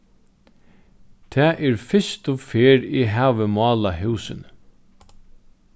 tað er fyrstu ferð eg havi málað húsini